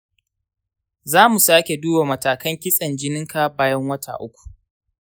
za mu sake duba matakan kitsen jininka bayan wata uku.